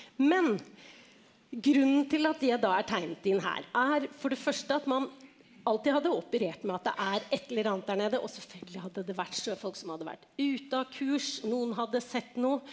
men grunnen til at det da er tegnet inn her er for det første at man alltid hadde operert med at det er et eller annet der nede og selvfølgelig hadde det vært sjøfolk som hadde vært ute av kurs noen hadde sett noe.